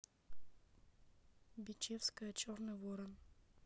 бичевская черный ворон